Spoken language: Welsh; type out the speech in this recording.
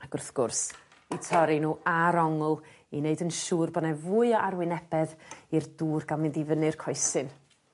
ac wrth gwrs 'di torri n'w ar ongl i neud yn siŵr bo' 'na fwy o arwynebedd i'r dŵr ga'l mynd i fyny'r coesyn.